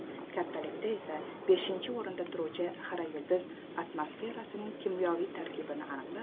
kattalikda esa beshinchi o'rinda turuvchi xira yulduz atmosferasining kimyoviy tarkibini aniqlab